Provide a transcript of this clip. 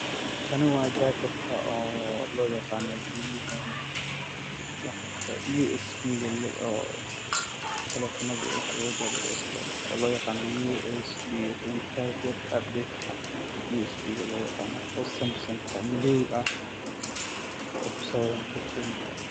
Kani waa jaajar loo yaqaano jaajarka midabkiisu waa caddaan madow galka waa caddaan qof ayaa gacanta